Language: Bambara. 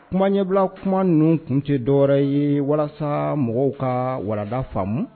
Kuma ɲɛbila kuma ninnu tun ti dɔ wɛrɛ ye walasa mɔgɔw ka walanda faamu.